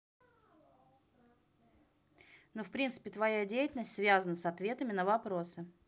ну в принципе твоя деятельность связана с ответами на вопросы